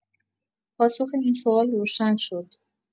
پاسخ این سوال روشن شد.